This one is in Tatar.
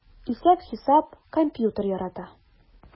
Исәп-хисап, компьютер ярата...